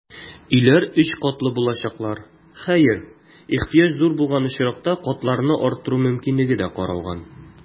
Өйләр өч катлы булачаклар, хәер, ихтыяҗ зур булган очракта, катларны арттыру мөмкинлеге дә каралган.